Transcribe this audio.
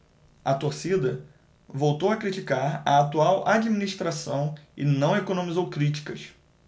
a torcida voltou a criticar a atual administração e não economizou críticas